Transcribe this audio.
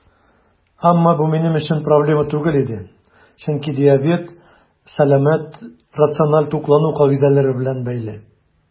Әмма бу минем өчен проблема түгел иде, чөнки диабет сәламәт, рациональ туклану кагыйдәләре белән бәйле.